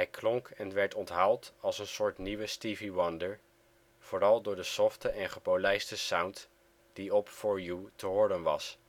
klonk en werd onthaald als een soort nieuwe Stevie Wonder, vooral door de softe en gepolijste sound die op For You te horen was